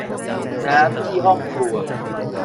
ปิดน้ำที่ห้องครัว